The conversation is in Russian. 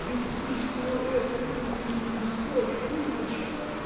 ведь ты всего этого не перенесешь, Лизочка.